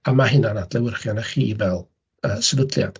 A ma' hynna'n adlewyrchu arna chi fel yy sefydliad.